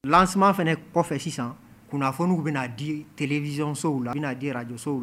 S fana kɔfɛ sisan kunnafoniw bɛna'a di tzsow la u bɛnaa dirajsow